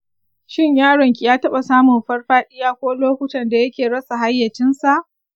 shin yaron ki ya taɓa samun farfaɗiya ko lokutan da yake rasa hayyacinsa?